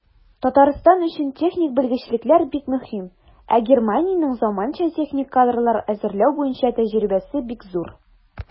Татарстан өчен техник белгечлекләр бик мөһим, ә Германиянең заманча техник кадрлар әзерләү буенча тәҗрибәсе бик зур.